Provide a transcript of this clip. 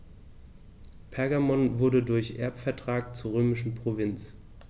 Pergamon wurde durch Erbvertrag zur römischen Provinz.